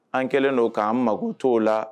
An kɛlen don k'an mago t'o la